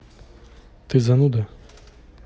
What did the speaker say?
ты зануда